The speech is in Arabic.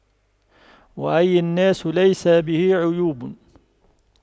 وأي الناس ليس به عيوب